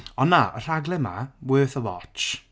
Ond na y rhaglen 'ma worth a watch.